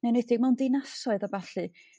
'Nen'edig mewn dinasoedd a ballu.